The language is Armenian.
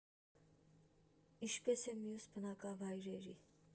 Ինչպես և մյուս բնակավայրերի։